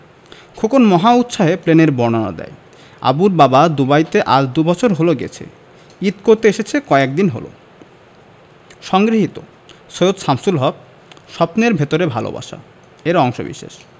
খোকন মহা উৎসাহে প্লেনের বর্ণনা দেয় আবুর বাবা দুবাইতে আজ দুবছর হলো গেছে ঈদ করতে এসেছে কয়েকদিন হলো সংগৃহীত সৈয়দ শামসুল হক স্বপ্নের ভেতরে ভালবাসা এর অংশবিশেষ